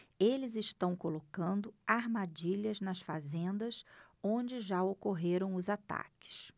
eles estão colocando armadilhas nas fazendas onde já ocorreram os ataques